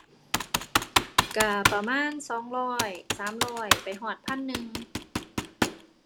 ก็ประมาณสองร้อยสามร้อยไปฮอดพันหนึ่ง